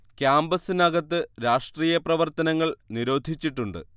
ക്യാമ്പസിന് അകത്ത് രാഷ്ട്രീയ പ്രവർത്തനങ്ങൾ നിരോധിച്ചിട്ടുണ്ട്